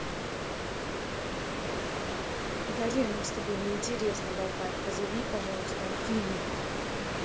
далее нам с тобой не интересно болтать позови пожалуйста афину